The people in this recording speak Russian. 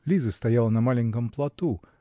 Лиза стояла на маленьком плоту